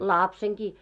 lapsenakin